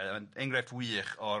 Yy ond enghraifft wych o'r